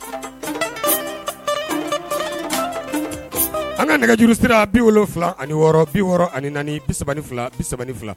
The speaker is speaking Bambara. An ka nɛgɛjuru sera 76 64 32 32